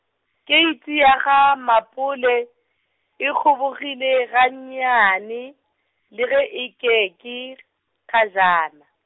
keiti ya gaMapole, e kgobogile gannyane, le ge e ke ke , kgajana.